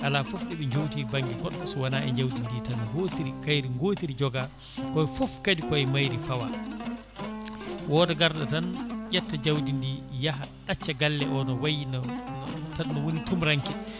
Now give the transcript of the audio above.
ala foof ɗooɓe jowti banggue goɗɗo so wona e jawdi ndi tan gootiri kayri gootiri jpooga kono foof kadi koye mayri faawa wooda garɗo tan ƴetta jawdi ndi yaaha ɗacca galle no wayi no no tan ne woni tumuranke